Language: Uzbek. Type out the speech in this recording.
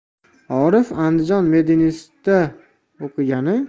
orif andijon medinstitutida o'qigani